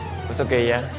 ủa sao kì vậy